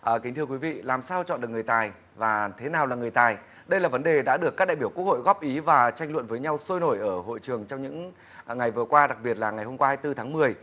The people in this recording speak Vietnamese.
kính thưa quý vị làm sao chọn được người tài và thế nào là người tài đây là vấn đề đã được các đại biểu quốc hội góp ý và tranh luận với nhau sôi nổi ở hội trường trong những ngày vừa qua đặc biệt là ngày hôm qua hai tư tháng mười